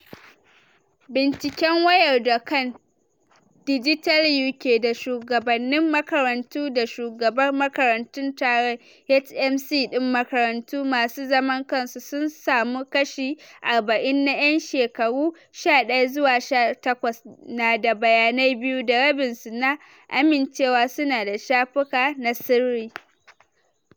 Binciken, wayar da kan Dijital UK da shuwagabannin makarantu da shugabar makarantun taron (HMC) din makarantu masu zaman kansu, sun samu kashi 40 na yan shekara 11 zuwa 18 na da bayanai biyu, da rabin su na amincewa su na da shafuka na sirri.